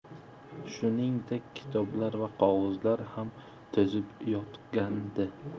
shuningdek kitoblar va qog'ozlar ham to'zib yotgandi